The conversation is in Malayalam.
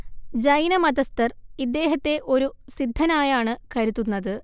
ജൈനമതസ്തർ ഇദ്ദേഹത്തെ ഒരു സിദ്ധനായാണ് കരുതുന്നത്